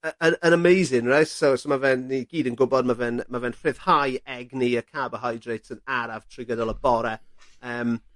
y yn yn amazing reit. So so ma' fe'n ni gyd yn gwbod ma' fe'n ma' fe'n rhyddhau egni y carbohydrates yn araf trwy gydol y bore. Yym.